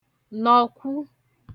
nọ̀kwu